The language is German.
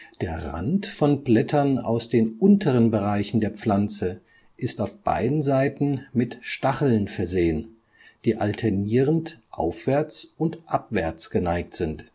Der Rand von Blättern aus den unteren Bereichen der Pflanze ist auf beiden Seiten mit Stacheln versehen, die alternierend aufwärts und abwärts geneigt sind